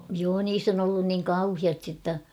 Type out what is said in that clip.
joo niissä on ollut niin kauheasti jotta